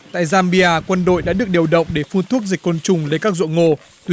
tại ram bi a quân đội đã được điều động để phun thuốc diệt côn trùng đến các ruộng ngô tuy